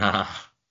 Na.